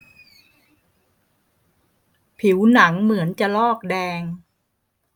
ผิวหนังเหมือนจะลอกแดง